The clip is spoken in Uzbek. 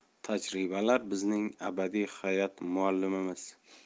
tajribalar bizning abadiy hayot muallimimiz